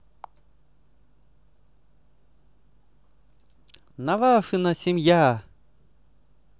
навашино семья